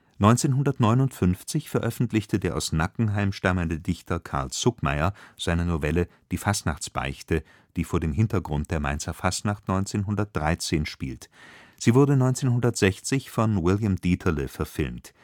1959 veröffentlichte der aus Nackenheim stammende Dichter Carl Zuckmayer seine Novelle Die Fastnachtsbeichte, die vor dem Hintergrund der Mainzer Fastnacht 1913 spielt. Sie wurde 1960 von William Dieterle verfilmt